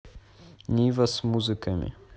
нива с музыками